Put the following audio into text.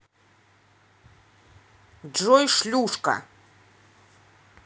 джой шлюшка